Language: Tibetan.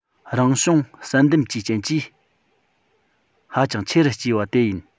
རང བྱུང བསལ འདེམས ཀྱི རྐྱེན གྱིས ཧ ཅང ཆེ རུ སྐྱེས པ དེ ཡིན